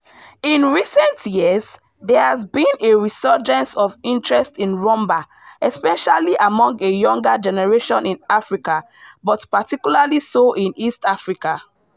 In recent years, there has been a resurgence of interest in Rhumba, especially among a younger generation in Africa but particularly so in East Africa.